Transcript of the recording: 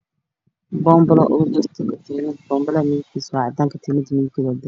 Halkaan waxaa ka muuqdo boonbale cadaan oo katiin dahabi qoorta ugu jiro